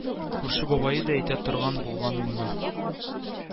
Күрше бабае да әйтә торган булган моны